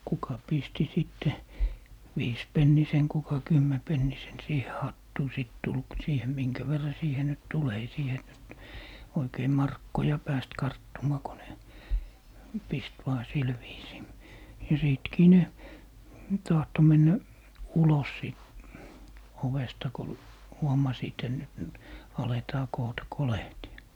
kuka pisti sitten viisipennisen kuka kymmenpennisen siihen hattuun sitten tuli - siihen minkä verran siihen nyt tuli ei siihen nyt oikein markkoja päässyt karttumaan kun ne pisti vain sillä viisiin ja sittenkin ne tahtoi mennä ulos siitä ovesta kun huomasivat että nyt nyt aletaan koota kolehtia